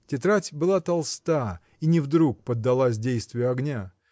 Тетрадь была толста и не вдруг поддалась действию огня.